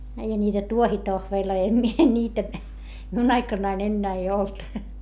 eihän niitä tuohitohveleita en minä niitä minun aikanani enää ei ollut